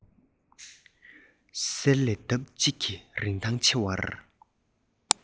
གསེར ལས ལྡབ གཅིག གིས རིན ཐང ཆེ བར